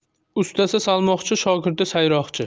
ustasi salmoqchi shogirdi sayroqchi